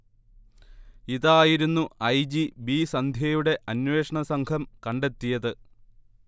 ഇതായിരുന്നു I. G. B സന്ധ്യയുടെ അന്വേഷണസംഘം കണ്ടത്തിയത്